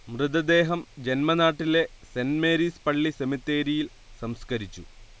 മൃതദേഹം ജന്മനാട്ടിലെ saint Mary's പള്ളി സെമിത്തേരിയിൽ സംസ്കരിച്ചു